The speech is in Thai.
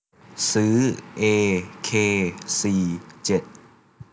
ซื้อเอเคสี่เจ็ด